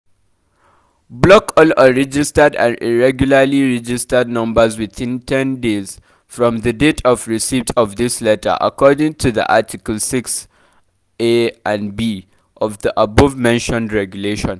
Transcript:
1-Block all unregistered and irregularly registered numbers within 10 days from the date of receipt of this letter, according to the Article 6 (a) and (b) of the above mentioned Regulation.